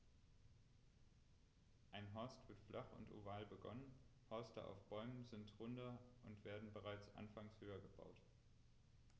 Ein Horst wird flach und oval begonnen, Horste auf Bäumen sind runder und werden bereits anfangs höher gebaut.